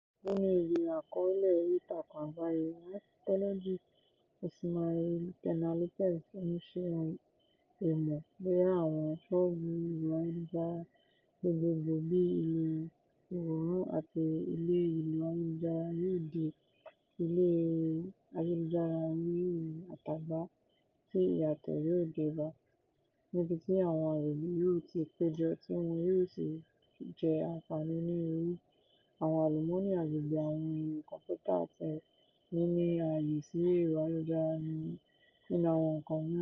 Nínú ibi àkọọ́lẹ̀ oríìtakùn àgbáyé rẹ̀ ICTlogy, Ismael Peña-López ń ṣe èmọ̀ bóyá àwọn sọ́ọ̀bù ẹ̀rọ ayélujára gbogbogbò bíi ilé ìwòran àti ilé ìlò ayélujára yóò di ilé ẹ̀rọ ayélujára orí ẹ̀rọ àtagba tí ìyàtọ̀ yóò dé bá, "níbi tí àwọn àgbègbè yóò ti péjọ tí wọ́n yóò sì jẹ àǹfààní onírúurú ohun àlùmọ́ọ́nì àgbègbè, àwọn ẹ̀rọ kọ̀m̀pútà àti níní ààyè sí ẹ̀rọ ayélujára nínú àwọn nǹkan mìíràn?